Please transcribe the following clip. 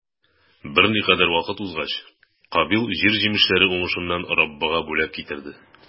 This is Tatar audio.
Берникадәр вакыт узгач, Кабил җир җимешләре уңышыннан Раббыга бүләк китерде.